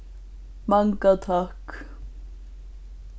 manga takk